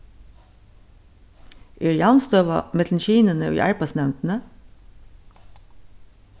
er javnstøða millum kynini í arbeiðsnevndini